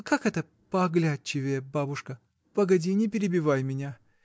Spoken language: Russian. — Как это пооглядчивее, бабушка? — Погоди, не перебивай меня.